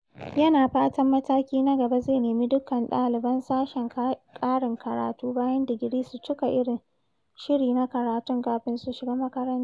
Yana fatan mataki na gaba, zai nemi dukkan ɗaliban sashen ƙarin karatu bayan digiri su cika irin shiri na karatun kafin su shiga makaranta mai gasar.